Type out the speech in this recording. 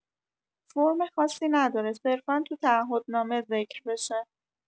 فرم خاصی نداره صرفا تو تعهد نامه ذکر بشه